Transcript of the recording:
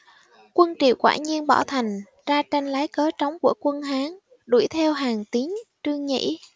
quân triệu quả nhiên bỏ thành ra tranh lấy cớ trống của quân hán đuổi theo hàn tín trương nhĩ